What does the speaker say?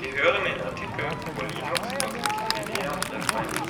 hören den Artikel Pro-Linux, aus Wikipedia, der freien